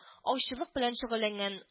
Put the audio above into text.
Аучылык белән шөгыльләнгән